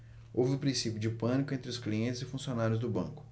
houve princípio de pânico entre os clientes e funcionários do banco